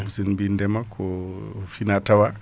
saabi sen bi ndema ko fina taawa